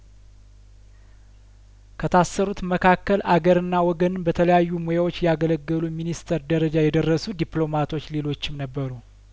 ከታሰሩት መካከል አገርና ወገንን በተለያዩ ሙያዎች ያገለገሉ ሚኒስተር ደረጃ የደረሱ ዲፕሎማቶች ሌሎችም ነበሩ